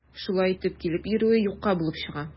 Шулай итеп, килеп йөрүе юкка булып чыга.